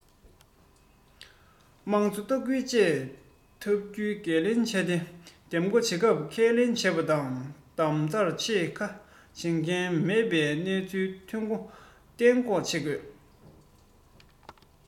དམངས གཙོ ལྟ སྐུལ བཅས ཐུབ རྒྱུའི འགན ལེན བྱས ཏེ འདེམས བསྐོ བྱེད སྐབས ཁས ལེན བྱེད པ དང བདམས ཚར རྗེས ཁ ཡ བྱེད མཁན མེད པའི སྣང ཚུལ ཐོན རྒྱུ གཏན འགོག བྱེད དགོས